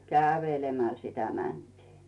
kävelemällä sitä mentiin